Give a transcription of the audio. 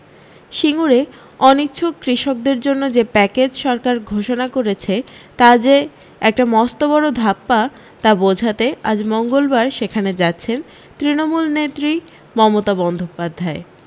সিঙ্গুরে অনিচ্ছুক কৃষকদের জন্য যে প্যাকেজ সরকার ঘোষণা করেছে তা যে একটা মস্তবড় ধাপ্পা তা বোঝাতে আজ মঙ্গলবার সেখানে যাচ্ছেন তৃণমূলনেত্রী মমতা বন্দ্যোপাধ্যায়